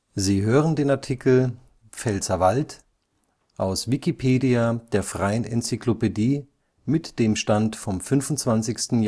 Sie hören den Artikel Pfälzerwald, aus Wikipedia, der freien Enzyklopädie. Mit dem Stand vom Der